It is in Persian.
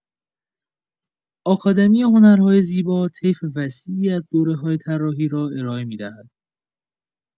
آکادمی هنرهای زیبا طیف وسیعی از دوره‌های طراحی را ارائه می‌دهد.